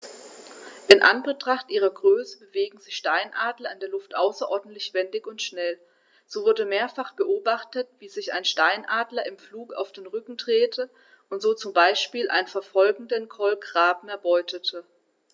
In Anbetracht ihrer Größe bewegen sich Steinadler in der Luft außerordentlich wendig und schnell, so wurde mehrfach beobachtet, wie sich ein Steinadler im Flug auf den Rücken drehte und so zum Beispiel einen verfolgenden Kolkraben erbeutete.